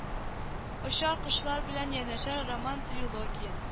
Очар кошлар белән янәшә роман-трилогия